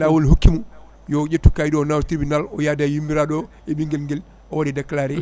laawol ne hokkimo yo ƴettu kayit o o nawa tribunal o yaada e yummiraɗo o e ɓinguel ngeul o waɗe déclaré